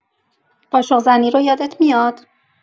قاشق‌زنی رو یادت میاد؟